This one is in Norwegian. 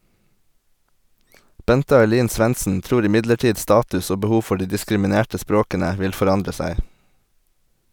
Bente Ailin Svendsen tror imidlertid status og behov for de diskriminerte språkene vil forandre seg.